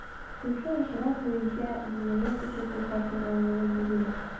Шушы очрак буенча җинаять эше кузгатылганлыгы билгеле.